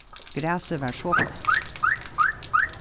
grasið var so gott